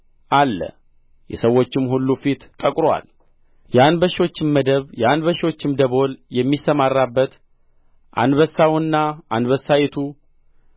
አለ የሰዎችም ሁሉ ፊት ጠቍሮአል የአንበሾችም መደብ የአንበሾችም ደቦል የሚሰማራበት አንበሳውና አንበሳይቱ